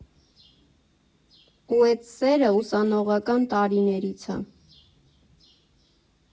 Ու էդ սերը ուսանողական տարիներից ա։